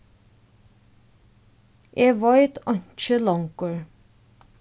eg veit einki longur